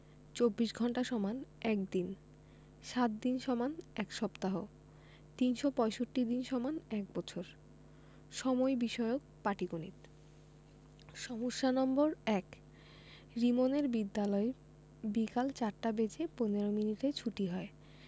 ২৪ ঘন্টা = ১ দিন ৭ দিন = ১ সপ্তাহ ৩৬৫ দিন = ১বছর সময় বিষয়ক পাটিগনিতঃ সমস্যা নম্বর ১ রিমনের বিদ্যালয় বিকাল ৪ টা বেজে ১৫ মিনিটে ছুটি হয়